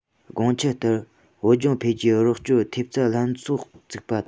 དགོངས འཆར ལྟར བོད ལྗོངས འཕེལ རྒྱས རོགས སྐྱོར ཐེབས རྩ ལྷན ཚོགས བཙུགས པ དང